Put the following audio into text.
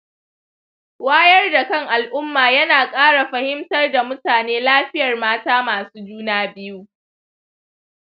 wayar da kan al'umma yana kara fahimtar da mutane lafiyar mata masu juna biyu.